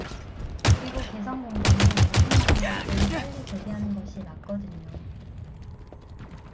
그리고 개성공단은 무슨 이유로든 빨리 재개하는 것이 맞거든요